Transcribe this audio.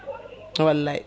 wallay